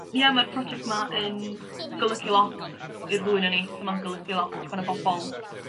Ia ma'r project 'ma yn golygu lot i'r ddwy 'non ni so ma'n golygu lot fo 'na bobol